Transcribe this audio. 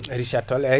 richard toll eyyi